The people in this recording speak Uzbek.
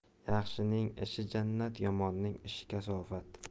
yaxshining ishi jannat yomonning ishi kasofat